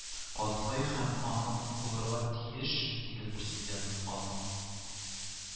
Катгый һәм анык булырга тиеш, диде президент, аның